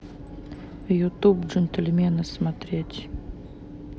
ютуб джентльмены смотреть